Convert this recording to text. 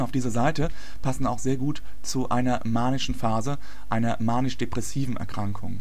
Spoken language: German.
dieser Seite passen auch sehr gut zu einer manischen Phase einer Manisch-Depressive Erkrankung